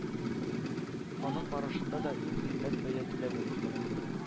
Аның барышында да иң кыйммәт бәя түләүгә китерә.